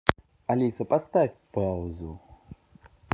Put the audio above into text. алиса поставь паузу